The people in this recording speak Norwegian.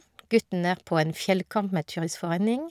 Gutten er på en fjellcamp med Turistforening.